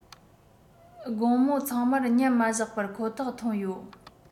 དགོང མོ ཚང མར ཉམས མ བཞག པར ཁོ ཐག ཐོན ཡོད